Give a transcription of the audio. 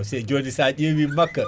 se joni sa ƴeewi makka